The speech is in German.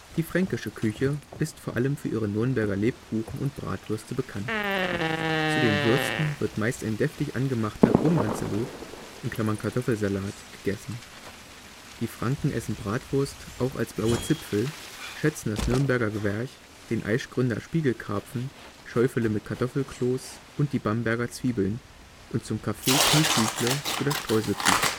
Die fränkische Küche ist vor allem für ihre Nürnberger Lebkuchen und Bratwürste bekannt. Zu den Würsten wird meist ein deftig angemachter „ Grumbernzelod “(Kartoffelsalat) gegessen. Die Franken essen Bratwurst auch als Blaue Zipfel, schätzen das Nürnberger Gwärch, den Aischgründer Spiegelkarpfen, Schäufele mit Kartoffelkloß und die Bamberger Zwiebeln und zum Kaffee Knieküchle oder Streuselkuchen